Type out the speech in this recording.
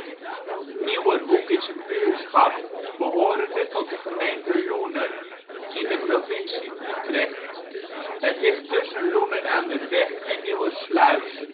buurtschap behorende tot de gemeente Loenen in de provincie Utrecht. Het ligt tussen Loenen aan de Vecht en Nieuwersluis